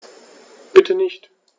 Bitte nicht.